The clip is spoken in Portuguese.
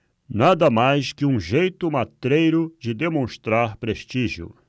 nada mais que um jeito matreiro de demonstrar prestígio